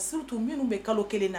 Ka stu tun minnu bɛ kalo kelen na